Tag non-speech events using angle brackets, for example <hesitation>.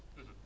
<hesitation> <hesitation>